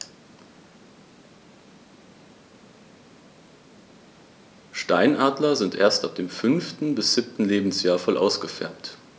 Steinadler sind erst ab dem 5. bis 7. Lebensjahr voll ausgefärbt.